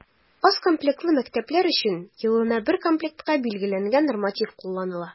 Аз комплектлы мәктәпләр өчен елына бер комплектка билгеләнгән норматив кулланыла.